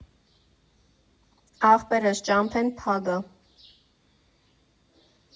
֊ Ախպերս, ճամփեն փագ ա։